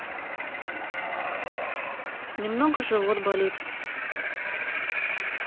немного живот болит